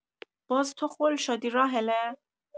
باز تو خل شدی راحله؟